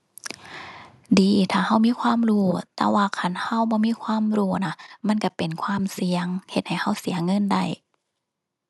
ดีถ้าเรามีความรู้ แต่ว่าคันเราบ่มีความรู้นะ มันเราเป็นความเสี่ยง เฮ็ดให้เราเสียเงินได้